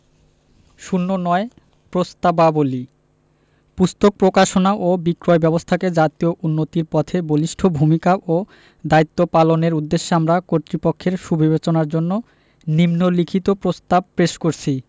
০৯ প্রস্তাবাবলী পুস্তক প্রকাশনা ও বিক্রয় ব্যাবস্থাকে জাতীয় উন্নতির পথে বলিষ্ঠ ভূমিকা ও দায়িত্ব পালনের উদ্দেশ্যে আমরা কর্তৃপক্ষের সুবিবেচনার জন্য নিন্ম লিখিত প্রস্তাব পেশ করছি